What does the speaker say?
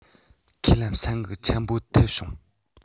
ཁས ལེན སེམས འགུལ ཆེན པོ ཐེབས བྱུང